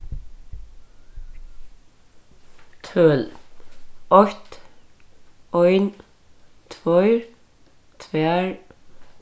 tøl eitt ein tveir tvær